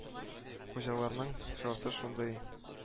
– хуҗаларның шарты шундый